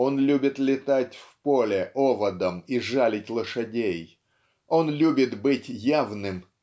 он любит летать в поле оводом и жалить лошадей он любит быть явным